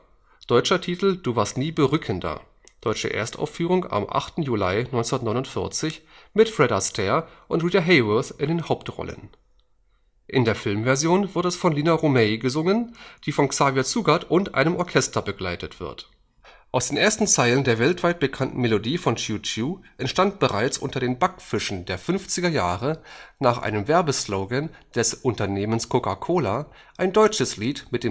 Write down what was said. deutscher Titel: Du warst nie berückender; deutsche Erstaufführung am 8. Juli 1949) mit Fred Astaire und Rita Hayworth in den Hauptrollen. In der Filmversion wird es von Lina Romay gesungen, die von Xavier Cugat und seinem Orchester begleitet wird. Erste Zeile aus Chiu Chiu Hörbeispiel? / i Aus den ersten Zeilen der weltweit bekannten Melodie von Chiu Chiu entstand bereits unter den Backfischen der 1950er Jahre, nach einem Werbeslogan des Unternehmens Coca-Cola, ein deutsches Lied mit